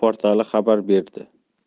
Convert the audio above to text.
portali xabar berdi